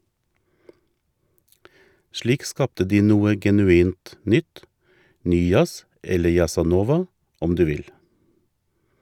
Slik skapte de noe genuint nytt - ny jazz, eller jazzanova, om du vil.